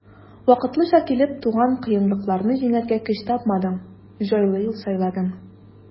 Вакытлыча килеп туган кыенлыкларны җиңәргә көч тапмадың, җайлы юл сайладың.